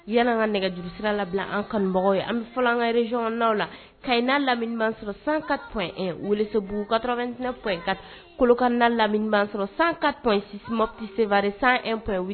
Yan'an ka nɛgɛjuru sira labila an kanubagaw ye an bɛ fɔlɔ an ka région naw la Kayes n'a lamini b'an sɔrɔ 104.1 Welesebugu 89.4 Kolokani n'a lamini b'an sɔrɔ 104.6 Mopti Sévaré 101.8